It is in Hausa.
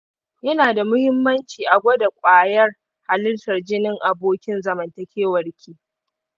yanada muhimmanci a gwada ƙwayar halittar jinin abokin zamantakewar ki